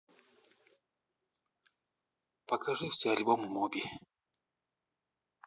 покажи все альбомы моби